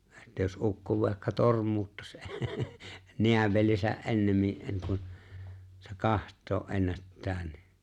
että jos ukko vaikka tormuuttaisi näävelinsä ennemmin ennen kuin se katsoa ennättää niin